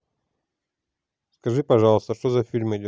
скажи пожалуйста что за фильм идет